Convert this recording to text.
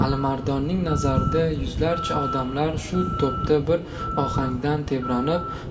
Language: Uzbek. alimardonning nazarida yuzlarcha odamlar shu topda bir ohangdan tebranib